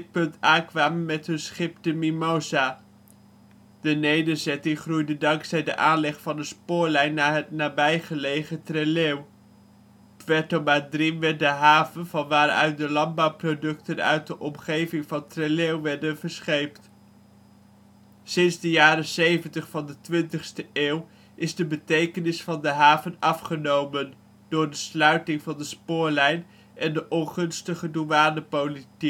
punt aankwamen met hun schip The Mimosa. De nederzetting groeide dankzij de aanleg van een spoorlijn naar het nabijgelegen Trelew; Puerto Madryn werd de haven van waaruit de landbouwproducten uit de omgeving van Trelew werden verscheept. Sinds de jaren ' 70 van de 20e eeuw is de betekenis van de haven afgenomen, door de sluiting van de spoorlijn en de ongunstige douanepolitiek